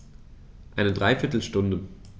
Eine dreiviertel Stunde